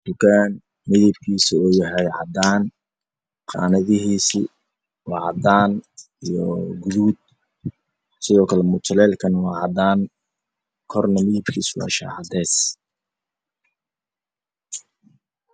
Waa tukaan cusub qaanada waa cadaan